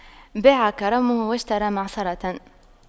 باع كرمه واشترى معصرة